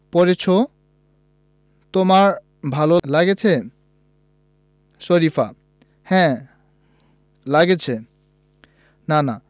পড়ছ তোমার ভালো লাগছে শরিফা হ্যাঁ লাগছে নানা